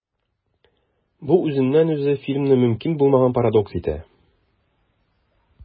Бу үзеннән-үзе фильмны мөмкин булмаган парадокс итә.